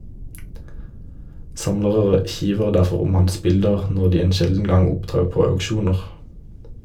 Samlere kiver derfor om hans bilder, når de en sjelden gang opptrer på auksjoner.